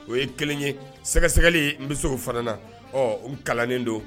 O ye kelen ye sɛgɛsɛgɛ n bɛ se o fana na ɔ u kalannen don